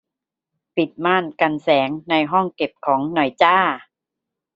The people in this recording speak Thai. ปิดม่านกันแสงในห้องเก็บของหน่อยจ้า